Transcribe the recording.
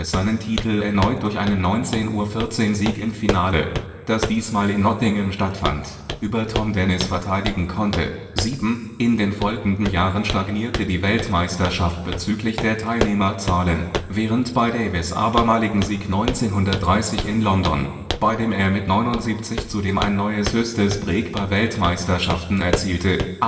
seinen Titel erneut durch einen 19:14-Sieg im Finale, das diesmal in Nottingham stattfand, über Tom Dennis verteidigen konnte. In den folgenden Jahren stagnierte die Weltmeisterschaft bezüglich der Teilnehmerzahlen. Während bei Davis ' abermaligen Sieg 1930 in London, bei dem er mit 79 zudem ein neues höchstes Break bei Weltmeisterschaften erzielte